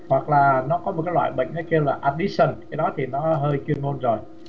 hoặc là nó có một loại bệnh có tên là a bi sần cái đó thì nó hơi chuyên môn rồi